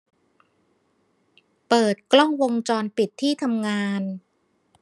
เปิดกล้องวงจรปิดที่ทำงาน